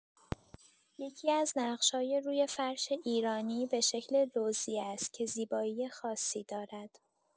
یکی‌از نقش‌های روی فرش ایرانی به شکل لوزی است که زیبایی خاصی دارد.